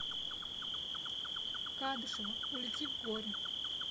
кадышева улети в горе